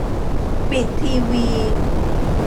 ปิดทีวี